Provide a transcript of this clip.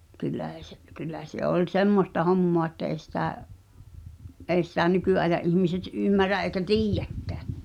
kyllä se kyllä se oli semmoista hommaa että ei sitä ei sitä nykyajan ihmiset ymmärrä eikä tiedäkään